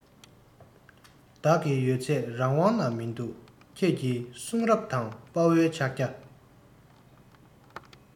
བདག གི ཡོད ཚད རང དབང ན མི འདུག ཁྱེད ཀྱི གསུང རབ དང དཔའ བོའི ཕྱག རྒྱ